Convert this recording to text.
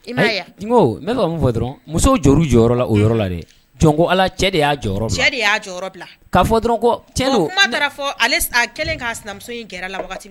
Ne fɔ dɔrɔn musow juru jɔyɔrɔ la o yɔrɔ la dɛ jɔn ko ala cɛ de y'a jɔyɔrɔ de y'a jɔyɔrɔ bila' fɔ dɔrɔn taara fɔ ale kelen k'amuso in kɛra la